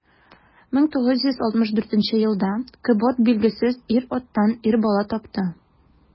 1964 елда кэбот билгесез ир-аттан ир бала тапты.